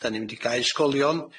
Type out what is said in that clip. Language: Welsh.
'Dan ni mynd i gau ysgolion.